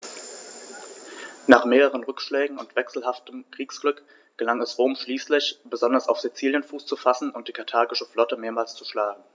Nach mehreren Rückschlägen und wechselhaftem Kriegsglück gelang es Rom schließlich, besonders auf Sizilien Fuß zu fassen und die karthagische Flotte mehrmals zu schlagen.